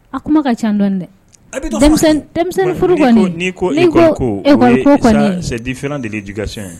A kuma ka ca dɔn dɛ sedi fana de jikasi ye